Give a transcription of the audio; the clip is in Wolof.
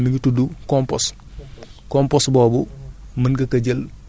compostage boo ko defee li nga ciy am produit bi nga ci am mi ngi tudd compost